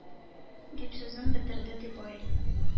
— дип сүзен бетерде, ди, бай.